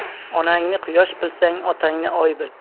onangni quyosh bilsang otangni oy bil